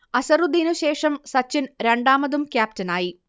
അസ്ഹറുദ്ദീനു ശേഷം സച്ചിൻ രണ്ടാമതും ക്യാപ്റ്റനായി